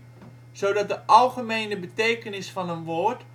zodat de algemene betekenis van een woord